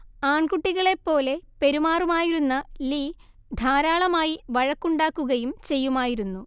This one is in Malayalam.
ആൺകുട്ടികളെപ്പോലെ പെരുമാറുമായിരുന്ന ലീ ധാരാളമായി വഴക്കുണ്ടാക്കുകയും ചെയ്യുമായിരുന്നു